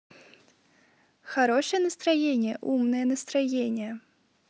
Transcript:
хорошее настроение умное настроения